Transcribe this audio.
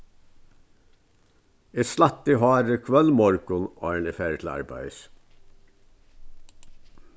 eg slætti hárið hvønn morgun áðrenn eg fari til arbeiðis